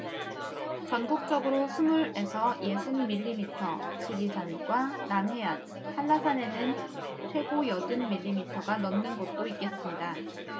전국적으로 스물 에서 예순 밀리미터 지리산과 남해안 한라산에는 최고 여든 밀리미터가 넘는 곳도 있겠습니다